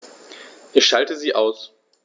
Ich schalte sie aus.